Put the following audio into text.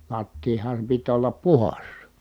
lattian piti olla puhdas